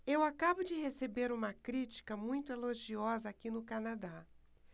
eu acabo de receber uma crítica muito elogiosa aqui no canadá